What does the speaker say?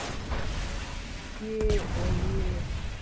е ой е